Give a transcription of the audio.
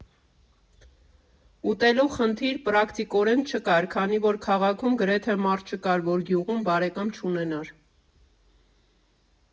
Ուտելու խնդիր պրակտիկորեն չկար, քանի որ քաղաքում գրեթե մարդ չկար, որ գյուղում բարեկամ չունենար։